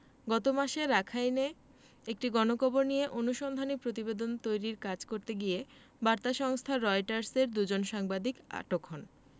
গত মাসে রাখাইনে একটি গণকবর নিয়ে অনুসন্ধানী প্রতিবেদন তৈরির কাজ করতে গিয়ে বার্তা সংস্থা রয়টার্সের দুজন সাংবাদিক আটক হন